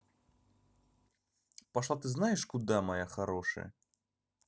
пошла ты знаешь куда моя хорошая